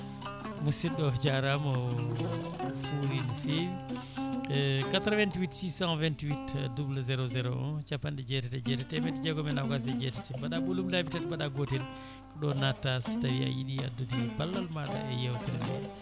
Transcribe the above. musidɗo jarama o fuuri no fewi 88 628 00 01 capanɗe jeetati e jeetati temedde jeegom e nogas e jeetati mbaɗa ɓolum laabi tati mbaɗa gotel ko ɗo natta so tawi a yiiɗi addude ballal maɗa e yewtere nde